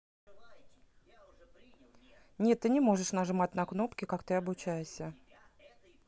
нет ты не можешь нажимать на кнопки как ты обучаешься